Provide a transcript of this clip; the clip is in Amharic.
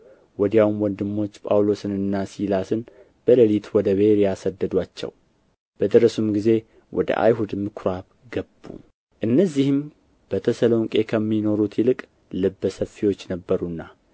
ወዲያውም ወንድሞች ጳውሎስንና ሲላስን በሌሊት ወደ ቤርያ ሰደዱአቸው በደረሱም ጊዜ ወደ አይሁድ ምኵራብ ገቡ እነዚህም በተሰሎንቄ ከሚኖሩት ይልቅ ልበ ሰፊዎች ነበሩና